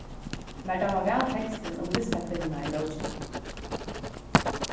mær dámar væl tekstin um listakvinnuna í bókini